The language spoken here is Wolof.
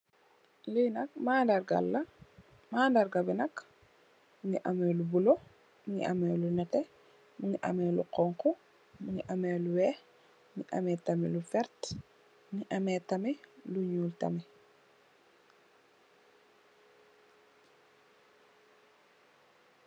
Lenak madagal la madagal bi nak mu gi ameh lu bolo mugi am lu nette mugi ameh lu honha mugi ameh lu weex mugi ameh tamit lu verter mugi ameh lu nul.